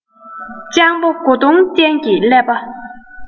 སྤྱང པོ མགོ སྟོང ཅན གྱི ཀླད པ